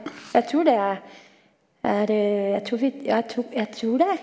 jeg tror det er jeg tror vi ja jeg jeg tror det.